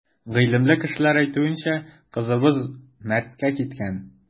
Гыйлемле кешеләр әйтүенчә, кызыбыз мәрткә киткән.